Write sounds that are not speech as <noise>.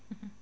<hesitation> <hesitation>